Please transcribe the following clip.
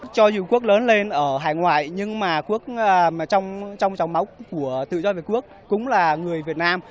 cho dù quốc lớn lên ở hải ngoại nhưng mà quốc mà mà trong trong trong máu của tự do việt quốc cũng là người việt nam